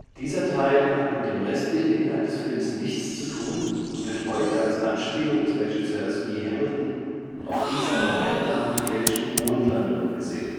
Dieser Teil hat mit dem restlichen Inhalt des Films nichts zu tun und wird heute als Anspielung des Regisseurs Guy Hamilton auf die seiner Meinung nach gefälschten Mondlandungen gesehen